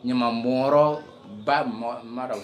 Ɲamabɔrɔ ba marara